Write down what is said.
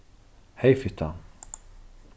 hey fitta